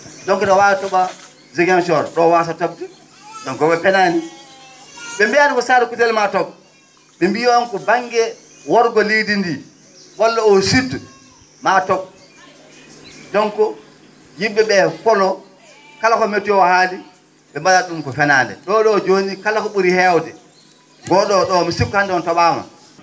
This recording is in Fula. donc no waawi to?a Ziguinchor ?o waasa to?de donc ?e penaani ?e mbiyaani ko Sare Koutayel maa to? ?e mbi on ko ba?nge worgo leydi ndi walla au sud ma to? donc yim?e ?ee poloo kala ko météo haali ?e mba?a ?um ko fenaande ?o ?o jooni kala ko ?uri heewde go?o ?o mi sikku hannde on to?ama